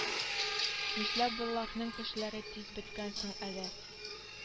Нишләп боларның көчләре тиз беткән соң әле